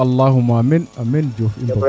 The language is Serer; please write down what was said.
alakhouma amiin amiin Diouf